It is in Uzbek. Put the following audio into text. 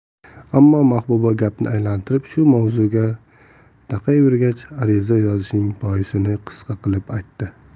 ammo mahbuba gapni aylantirib shu mavzuga taqayvergach ariza yozishining boisini qisqa qilib aytdi